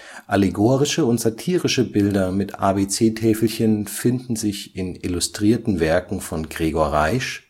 Allegorische und satirische Bilder mit ABC-Täfelchen finden sich in illustrierten Werken von Gregor Reisch